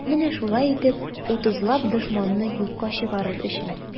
Менә шулай итеп, утызлап дошманны юкка чыгарыр өчен.